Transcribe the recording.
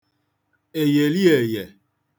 èyèlièyè